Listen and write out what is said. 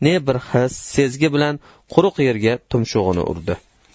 ne bir his sezgi bilan quruq yerga tumshug'ini urdi